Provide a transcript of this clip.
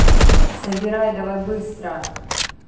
собирай давай быстро